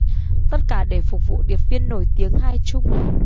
tất cả để phục vụ điệp viên nổi tiếng hai trung